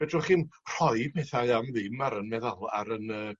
fedrwch chi'm rhoi pethau am ddim ar 'yn medda- ar 'yn yy